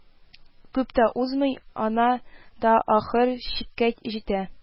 Күп тә узмый, ана да ахыр чиккә җитә